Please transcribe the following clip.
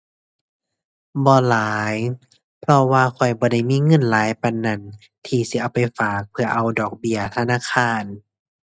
บ่หลาย เพราะว่าข้อยบ่ได้มีเงินหลายปานนั้น ที่สิเอาไปฝากเพื่อเอาดอกเบี้ยธนาคาร